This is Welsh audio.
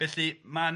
felly mae'n